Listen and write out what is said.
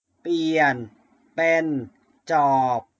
เปลี่ยนเป็นจอบ